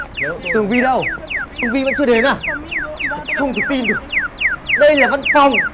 tường vi đâu tường vi vẫn chưa đến à thật không thể tin được đây là văn phòng